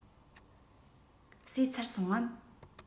ཟོས ཚར སོང ངམ